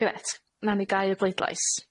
Grêt, nawn ni gau y bleidlais.